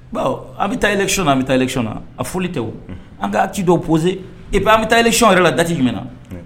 Bon an bɛ taa yɛlɛyɔn a an bɛ taayɔn a foli tɛ an k kaa ci dɔ pose e bɛ an bɛ taa yɛlɛcyɔn yɛrɛ la dati jumɛn na